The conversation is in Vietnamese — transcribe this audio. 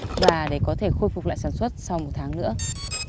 và để có thể khôi phục lại sản xuất sau một tháng nữa